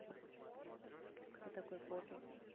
кто такой поппи